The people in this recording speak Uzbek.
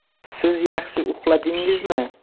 siz yaxshi uxladingizmi